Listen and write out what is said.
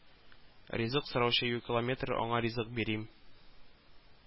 Ризык сораучы юкилометры, аңа ризык бирим